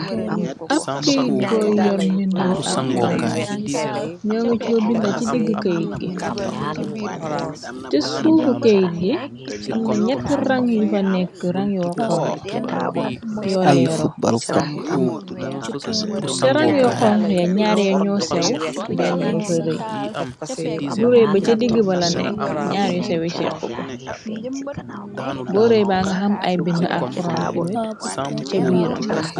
Ab keyit gooy yor mbindam ar xuraan ñoo ngi ci ko binda ci digg keyit gi te suufu keyit gi amna ñett rang yu fa nekk rangyu xon yoo leero ca rang yo xonk ya ñaare ñoo sew benn ba fa rëy burey ba ca digg bala nekk ñaar yu sewi siqu ko borëy ba nga xam ay bind ar xurante mit ca biiram.